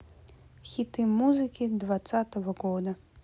хиты музыки двадцатого года